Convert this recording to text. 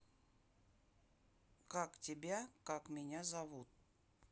как тебя как меня зовут